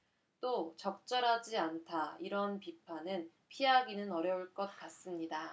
또 적절하지 않다 이런 비판은 피하기는 어려울 것 같습니다